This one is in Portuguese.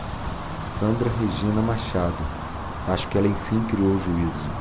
sandra regina machado acho que ela enfim criou juízo